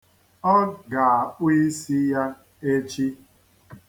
Ọ ga-akpụ isi ya echi.